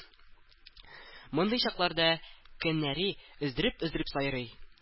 Мондый чакларда кенәри өздереп-өздереп сайрый